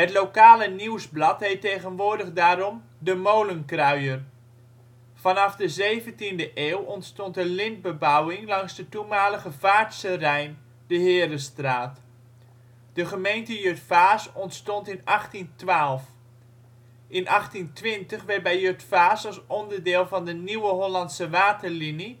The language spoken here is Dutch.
lokale nieuwsblad heet tegenwoordig daarom de Molenkruier. Vanaf de 17e eeuw ontstond er lintbebouwing langs de toenmalige Vaartse Rijn (Herenstraat). De gemeente Jutphaas ontstond in 1812. In 1820 werd bij Jutphaas als onderdeel van de Nieuwe Hollandse Waterlinie